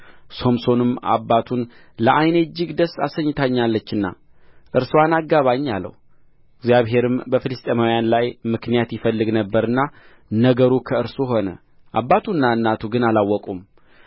ሶምሶንም አባቱን ለዓይኔ እጅግ ደስ አሰኝታኛለችና እርስዋን አጋባኝ አለው እግዚአብሔርም በፍልስጥኤማውያን ላይ ምክንያት ይፈልግ ነበርና ነገሩ ከእርሱ ሆነ አባቱና እናቱ ግን አላወቁም